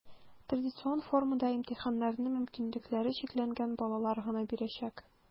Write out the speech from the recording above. Традицион формада имтиханнарны мөмкинлекләре чикләнгән балалар гына бирәчәк.